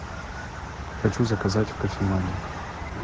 хочу заказать в кофемании